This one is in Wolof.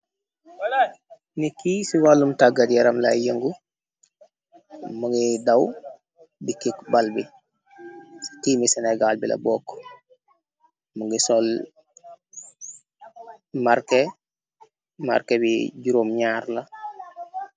Nit ki ci wàllum tàggat yaram lay yëngu mu ngi daw di kick bàl bi, ci teemi sene gal bi la bokk. Mu ngi sol marke marke bi juróom ñaar la.